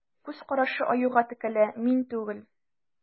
Күз карашы Аюга текәлә: мин түгел.